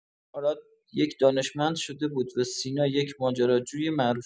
آراد یک دانشمند شده بود و سینا یک ماجراجوی معروف!